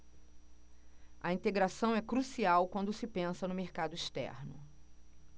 a integração é crucial quando se pensa no mercado externo